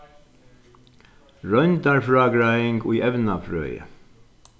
royndarfrágreiðing í evnafrøði